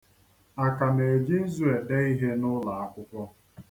A ka na-eji nzu ede ihe n'ụlọakwụkwọ?